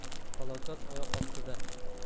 falokat oyoq ostida